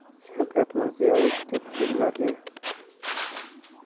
shavkat mirziyoyev deputatlarga